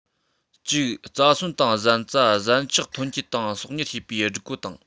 གཅིག རྩྭ སོན དང གཟན རྩྭ གཟན ཆག ཐོན སྐྱེད དང གསོག ཉར བྱེད པའི སྒྲིག བཀོད དང